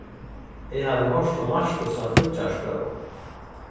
eg havi hoyrt um markusa fíggjarstøðu